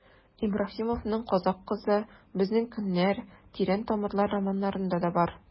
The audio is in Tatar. Ибраһимовның «Казакъ кызы», «Безнең көннәр», «Тирән тамырлар» романнарында да бар.